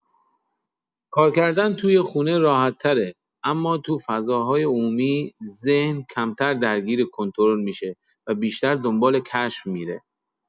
کار کردن توی خونه راحت‌تره، اما توی فضاهای عمومی، ذهن کمتر درگیر «کنترل» می‌شه و بیشتر دنبال «کشف» می‌ره.